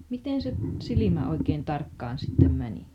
miten se silmä oikein tarkkaan sitten meni